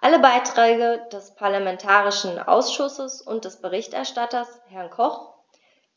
Alle Beiträge des parlamentarischen Ausschusses und des Berichterstatters, Herrn Koch,